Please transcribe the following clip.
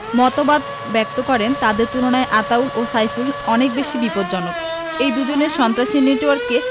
মতামত ব্যক্ত করেন তাদের তুলনায় আতাউল ও সাইফুল অনেক বেশি বিপজ্জনক এই দুজনের সন্ত্রাসী নেটওয়ার্ককে